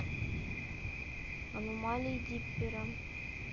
аномалии диппера